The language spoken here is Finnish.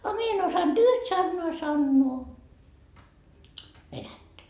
a minä en osannut yhtään sanaa sanoa venäjää